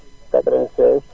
96